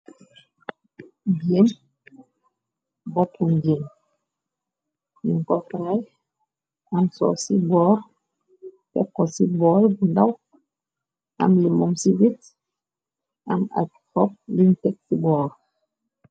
Bén boppum jéen num kotraay am soo ci boor te ko ci boor bu ndaw am li moom ci wit am at xopp luñ tek ci boor.